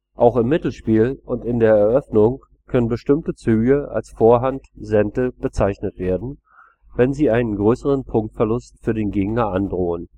Auch im Mittelspiel und in der Eröffnung können bestimmte Züge als Vorhand Sente bezeichnet werden, wenn sie einen größeren Punktverlust für den Gegner androhen